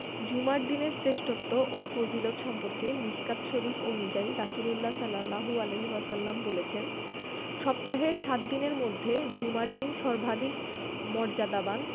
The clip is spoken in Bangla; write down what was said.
জুমার দিনের শ্রেষ্ঠত্ব ও ফজিলত সম্পর্কে মিশকাত শরিফ অনুযায়ী রাসুলুল্লাহ সা বলেছেন সপ্তাহের সাত দিনের মধ্যে জুমার দিন সর্বাধিক মর্যাদাবান